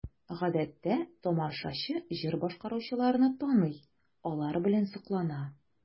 Гадәттә тамашачы җыр башкаручыларны таный, алар белән соклана.